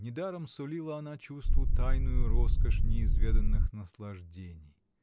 недаром сулила она чувству тайную роскошь неизведанных наслаждений